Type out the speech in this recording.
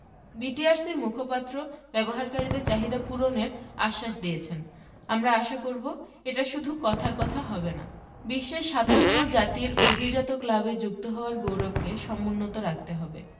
বিটিআরসির মুখপাত্র ব্যবহারকারীদের চাহিদা পূরণের আশ্বাস দিয়েছেন আমরা আশা করব এটা শুধু কথার কথা হবে না বিশ্বের ৫৭ জাতির অভিজাত ক্লাবে যুক্ত হওয়ার গৌরবকে সমুন্নত রাখতে হবে